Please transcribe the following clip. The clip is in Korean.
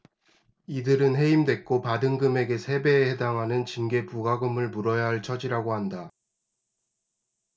이들은 해임됐고 받은 금액의 세 배에 해당하는 징계부과금을 물어야 할 처지라고 한다